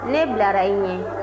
ne bilara i ɲɛ